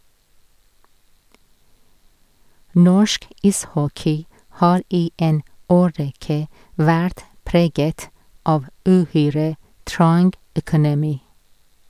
Norsk ishockey har i en årrekke vært preget av uhyre trang økonomi.